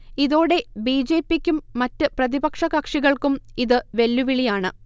ഇതോടെ ബി. ജെ. പി. ക്കും മറ്റ് പ്രതിപക്ഷ കക്ഷികൾക്കും ഇത് വെല്ലുവിളിയാണ്